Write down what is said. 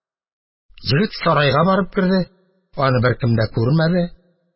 Егет сарайга барып керде, аны беркем дә күрмәде.